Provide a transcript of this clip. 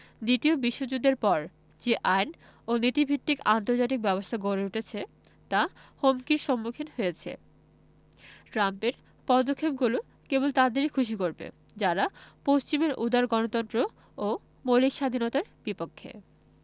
দ্বিতীয় বিশ্বযুদ্ধের পর যে আইন ও নীতিভিত্তিক আন্তর্জাতিক ব্যবস্থা গড়ে উঠেছে তা হুমকির সম্মুখীন হয়েছে ট্রাম্পের পদক্ষেপগুলো কেবল তাদেরই খুশি করবে যারা পশ্চিমের উদার গণতন্ত্র ও মৌলিক স্বাধীনতার বিপক্ষে